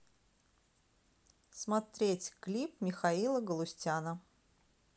смотреть клип михаила галустяна